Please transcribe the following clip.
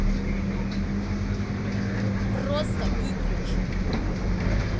просто выключи